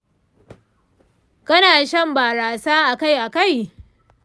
kana shan barasa akai-akai?